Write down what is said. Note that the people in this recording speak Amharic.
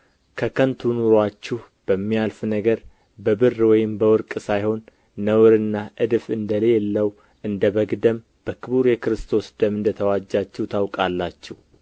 ከከንቱ ኑሮአችሁ በሚያልፍ ነገር በብር ወይም በወርቅ ሳይሆን ነውርና እድፍ እንደ ሌለው እንደ በግ ደም በክቡር የክርስቶስ ደም እንደ ተዋጃችሁ ታውቃላችሁ